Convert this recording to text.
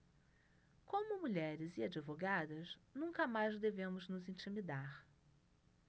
como mulheres e advogadas nunca mais devemos nos intimidar